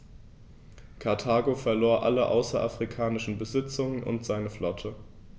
Karthago verlor alle außerafrikanischen Besitzungen und seine Flotte.